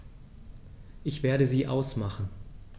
Ich werde sie ausmachen.